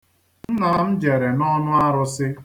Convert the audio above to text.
Nna m m jere n'ọnụ arụsị.